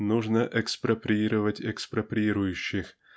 нужно "экспроприировать экспроприирующих"